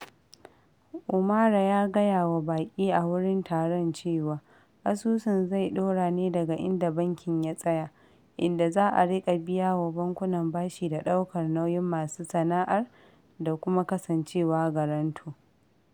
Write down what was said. Omarah ya gayawa baƙi a wurin taron cewa, asusun zai ɗora ne daga inda bankin ya tsaya, inda za a riƙa biya wa bankunan bashi da ɗaukar nauyin masu sana'ar da kuma kasancewa garanto.